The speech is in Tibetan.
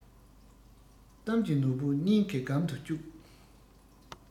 གཏམ གྱི ནོར བུ སྙིང གི སྒམ དུ བཅུག